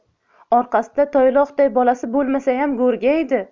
orqasida tayloqday bolasi bo'lmasayam go'rgaydi